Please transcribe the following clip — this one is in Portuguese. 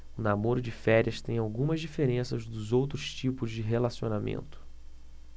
o namoro de férias tem algumas diferenças dos outros tipos de relacionamento